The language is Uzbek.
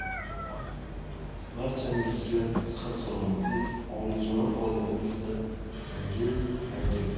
barchangizga sihat salomatlik olijanob faoliyatingizda yangi yangi